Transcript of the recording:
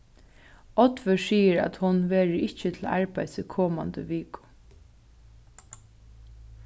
oddvør sigur at hon verður ikki til arbeiðis í komandi viku